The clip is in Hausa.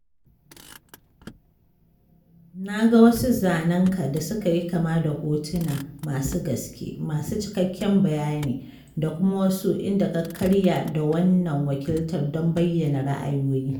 Na ga wasu zanen ka da suka yi kama da hotuna, masu gaske, masu cikakken bayani … da kuma wasu inda ka karya da wannan wakiltar don bayyana ra'ayoyi.